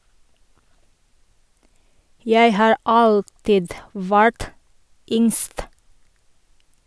Jeg har alltid vært yngst.